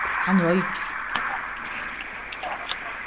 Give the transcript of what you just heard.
hann roykir